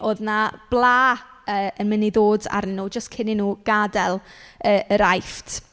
Oedd 'na bla yy yn mynd i ddod arnyn nhw jyst cyn i nhw gadael yy yr Aifft.